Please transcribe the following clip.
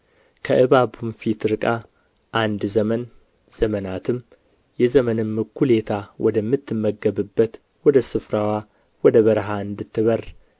ከእባቡም ፊት ርቃ አንድ ዘመን ዘመናትም የዘመንም እኵሌታ ወደ ምትመገብበት ወደ ስፍራዋ ወደ በረሀ እንድትበር